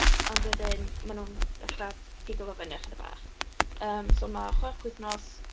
Ond wedyn maen nhw'n dechrau pigo fo fyny ychydig bach. Yym, so ma' chwech wythnos.